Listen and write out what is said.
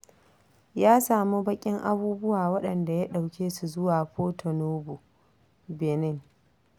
Ya samu baƙin abubuwa waɗanda ya ɗauke su zuwa Porto-Noɓo, Benin.